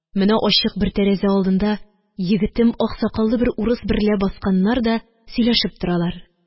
Менә ачык бер тәрәзә алдында егетем ак сакаллы бер урыс берлә басканнар да сөйләшеп торалар.